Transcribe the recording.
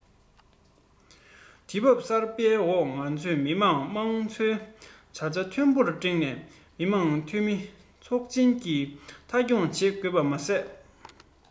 དུས བབ གསར པའི འོག ང ཚོས མི དམངས དམངས གཙོའི དར ཆ མཐོན པོར བསྒྲེངས ནས མི དམངས འཐུས མི ཚོགས ཆེན གྱི མཐའ འཁྱོངས བྱེད དགོས པ མ ཟད